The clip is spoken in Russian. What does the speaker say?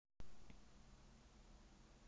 да нет в голове нахуй